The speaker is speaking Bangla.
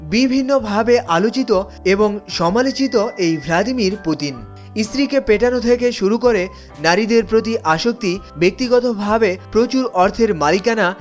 বিভিন্নভাবে আলোচিত এবং সমালোচিত এই ভ্লাদিমির পুতিন স্ত্রীকে পেটানো থেকে শুরু করে নারীদের প্রতি আসক্তি ব্যক্তিগতভাবে প্রচুর অর্থের মালিকানা